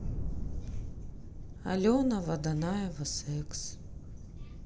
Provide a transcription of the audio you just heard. алена водонаева секс